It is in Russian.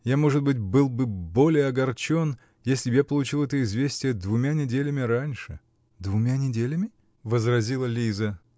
Я, может быть, был бы более огорчен, если б я получил это известие двумя неделями раньше. -- Двумя неделями? -- возразила Лиза.